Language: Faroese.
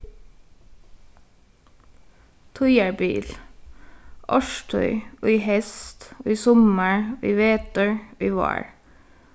tíðarbil árstíð í heyst í summar í vetur í vár